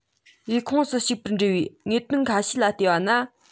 ཡུལ ཁོངས སུ ཞུགས པར འབྲེལ བའི དངོས དོན ཁ ཤས ལ བལྟས པ ན